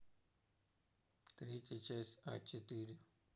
третья часть а четыре